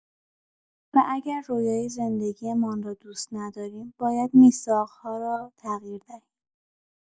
و اگر رویای زندگی‌مان را دوست نداریم، باید میثاق‌ها را تغییر دهیم.